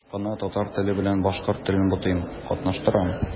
Еш кына татар теле белән башкорт телен бутыйм, катнаштырам.